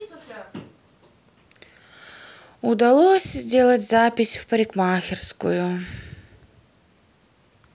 удалось сделать запись в парикмахерскую